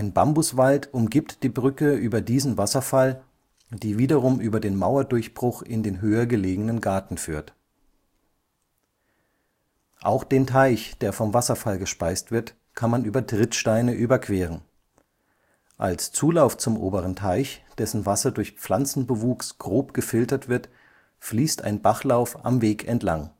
Bambuswald umgibt die Brücke über diesen Wasserfall, die wiederum über den Mauerdurchbruch in den höher gelegenen Garten führt. Auch den Teich, der vom Wasserfall gespeist wird, kann man über Trittsteine überqueren. Als Zulauf zum oberen Teich, dessen Wasser durch Pflanzenbewuchs grob gefiltert wird, fließt ein Bachlauf am Weg entlang